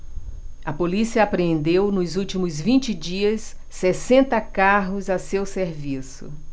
a polícia apreendeu nos últimos vinte dias sessenta carros a seu serviço